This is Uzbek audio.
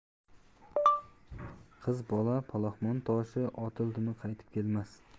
qiz bola palaxmon toshi otildimi qaytib kelmas